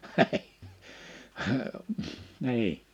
niin